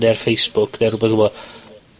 ne'r Facebook ne' rwbeth fel 'a.